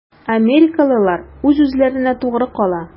Америкалылар үз-үзләренә тугры кала.